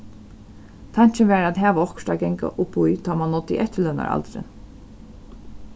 tankin var at hava okkurt at ganga upp í tá mann náddi eftirlønaraldurin